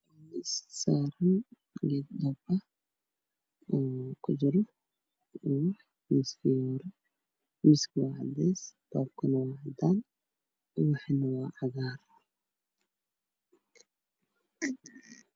Waa miis waxaa saaran dhoob waxaa kujiro ubax. Miiska waa cadeys dhoobku Waa cadaan, ubaxuna waa cagaar.